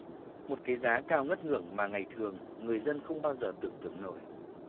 một cái giá cao ngất ngưởng mà ngày thường người dân không bao giờ tưởng tượng nổi